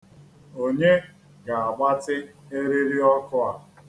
Onye ga-agbatị eriri ọkụ a?